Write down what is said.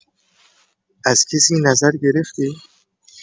از کسی نظر گرفتی؟